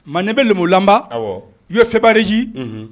Mande bɛ lonbolanba, awɔ, , unhun